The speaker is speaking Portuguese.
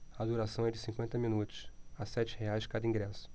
a duração é de cinquenta minutos a sete reais cada ingresso